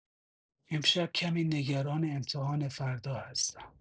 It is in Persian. امشب کمی نگران امتحان فردا هستم.